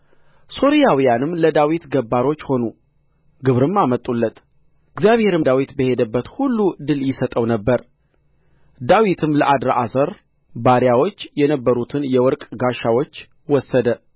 ሶርያውያንም ለዳዊት ገባሮች ሆኑ ግብርም አመጡለት እግዚአብሔርም ዳዊት በሄደበት ሁሉ ድል ይሰጠው ነበር ዳዊትም ለአድርአዛር ባሪያዎች የነበሩትን የወርቅ ጋሻዎች ወሰደ